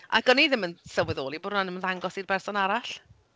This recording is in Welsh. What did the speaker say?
Ac o'n i ddim yn sylweddoli bod hwnna'n ymddangos i'r person arall.